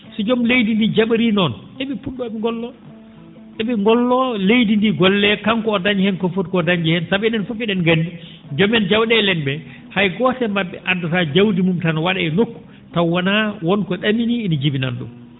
so jom leydi ndi ja?iri noon e?e pu??oo e?e ngolloo e?e ngollo leydi ndii golle kanko o daña heen ko o foti koo dañde sabu enen fof e?en nganndi joomen jaw?eele en ?ee hay gooto e m?b?e addataa jawdi mum tan wa?a e nokku taw wonaa won ko ko ?aminii ene jibinana ?um